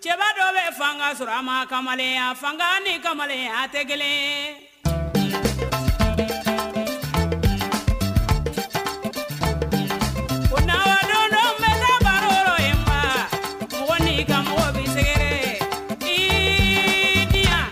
Cɛba dɔ bɛ fanga sɔrɔ a ma kamalenya fanga ni kamalen a tɛ kelen bɛ in ma ko ni ka mɔgɔ bɛ seginyan